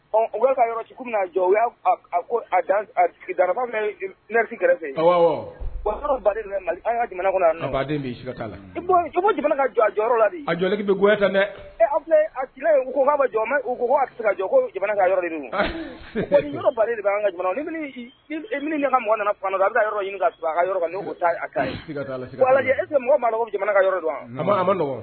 Ɔ ka yɔrɔ cogo min na a jɔ' a korati kɛrɛfɛɛrɛ an ka jamana kɔnɔden jamana ka jɔ a la a jɔki bɛ filɛ koa jɔ ma ko ase ka jɔ yɔrɔ de bɛ an ka min mɔn a bɛ yɔrɔ ɲini ka a ka yɔrɔ e tɛ mɔgɔ maa ko jamana ka yɔrɔ don ma